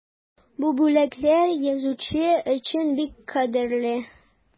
Бу бүләкләр язучы өчен бик кадерле.